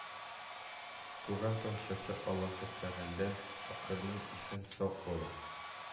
Туган-тумачасы Аллаһы Тәгаләдән Шакирның исән-сау калып,